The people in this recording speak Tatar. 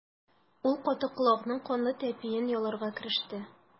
Ул каты колакның канлы тәпиен яларга кереште.